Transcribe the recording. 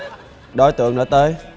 đối tượng đã tới